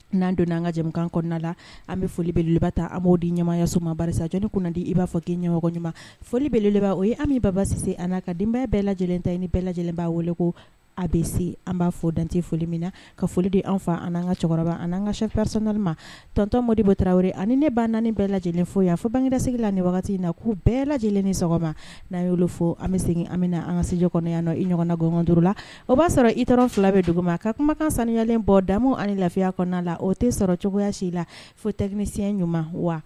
N'an don' an ka jamana kɔnɔna la an bɛ folibeleba ta a m ma di ɲɛmaaya suma basajni kun na di i b' fɔ k'i ɲɛmɔgɔ ɲuman foli beleba o ye an bababasise aa ka denbaya bɛɛ lajɛlen ta ni bɛɛ lajɛlenbaa wele ko a bɛ se an b'a fɔ dante foli min na ka foli de an fa ani an cɛkɔrɔba ani an kacprisnan ma tɔntɔnmodi bɔ taraweleraww ani ne ban naani bɛɛ lajɛlen fo yan fɔ bangegdase la waati wagati in na ko'u bɛɛ lajɛlen ni sɔgɔma n'a y'olu fɔ an bɛ segin anmina na an ka sdi kɔnɔya nɔ i ɲɔgɔnnakɔɔn duuru la o b'a sɔrɔ i dɔrɔn fila bɛ dugu ma ka kumakan sanuyalen bɔ da ani lafiya kɔnɔna la o tɛ sɔrɔ cogoyaya si latinisiyɛn ɲuman wa